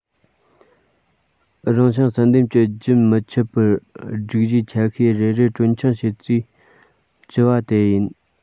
རང བྱུང བསལ འདེམས ཀྱིས རྒྱུན མི ཆད པར སྒྲིག གཞིའི ཆ ཤས རེ རེ གྲོན ཆུང བྱེད རྩིས བགྱི བ དེ ཡིན